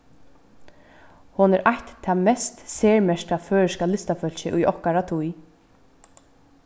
hon er eitt tað mest sermerkta føroyska listafólkið í okkara tíð